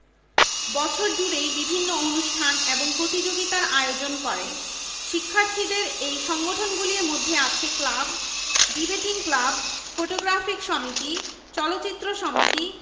ব্যবসায় অনুষদে ব্যবসায় প্রশাসন সম্পর্কিত পাঠদান করা হয় কৃষি এবং খনিজ বিজ্ঞান অনুষদে আছে বন বিভাগ